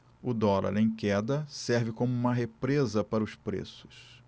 o dólar em queda serve como uma represa para os preços